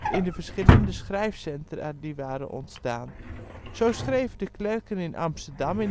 in de verschillende schrijfcentra die waren ontstaan. Zo schreven de klerken in Amsterdam